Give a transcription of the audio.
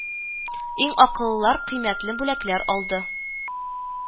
Иң кыллылар кыйммәтле бүләкләр алды